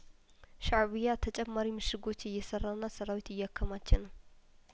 ሻእቢያ ተጨማሪ ምሽጐች እየሰራና ሰራዊት እያከማቸ ነው